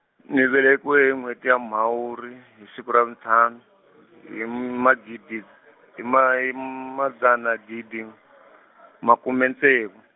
ni velekiwe hi nweti ya Mhawuri hi siku ra vuntlhanu , hi magidi, hi ma, hi madzana gidi, makume ntsevu.